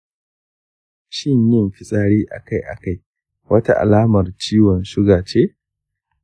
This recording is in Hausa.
shin yin fitsari akai-akai wata alamr ciwon suga ce?